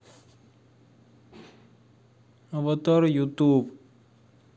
аватар ютуб